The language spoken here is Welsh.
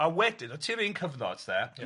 a wedyn o tir un cyfnod de ia.